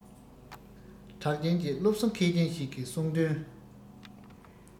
གྲགས ཅན གྱི སློབ གསོ མཁས ཅན ཞིག གིས གསུངས དོན